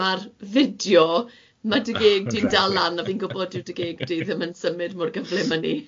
ma'r fideo ma' dy geg di'n dal lan a fi'n gwbod dyw dy geg di ddim yn symud mor gyflym â 'ny